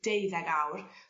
deuddeg awr